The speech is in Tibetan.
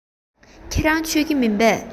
ཁྱོད རང མཆོད ཀྱི མིན པས